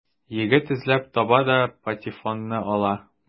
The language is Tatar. Егет эзләп таба да патефонны ала.